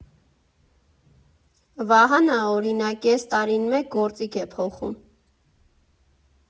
Վահանը, օրինակ, կես տարին մեկ գործիք է փոխում։